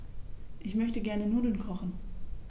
Ich möchte gerne Nudeln kochen.